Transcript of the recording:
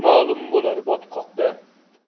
ma'lum bo'lar botqoqda